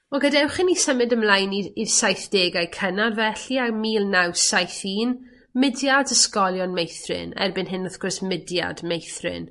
Wel gadewch i ni symud ymlaen i i'r saithdegau cynnar felly a mil naw saith un Mudiad Ysgolion Meithrin, erbyn hyn wrth gwrs Mudiad Meithrin.